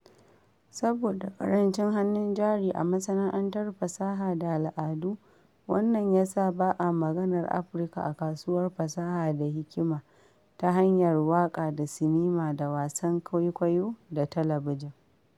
Saboda ƙarancin hannun jari a masana'antar fasaha da al'adu, wannan ya sa ba a maganar Afirka a kasuwar fasaha da hikima ta hanyar waƙa da sinima da wasan kwaikwayo da talabijin.